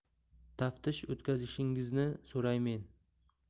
taftish o'tkazishingizni so'raymen